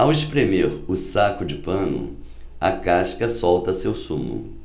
ao espremer o saco de pano a casca solta seu sumo